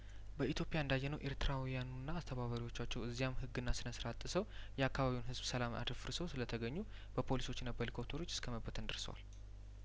በኢትዮፕያእንዳ የነው ኤርትራውያኑና አስተባባሪዎቻቸው እዚያም ህግና ስነ ስርአት ጥሰው የአካባቢውን ህዝብ ሰላም አደፍ ርሰው ስለተገኙ በፖሊሶችና በሊኮፕ ተሮች እስከመበተን ደርሰዋል